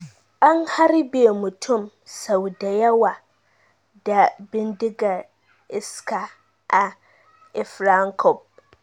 An harbe mutum sau da yawa da bindigar iska a Ilfracombe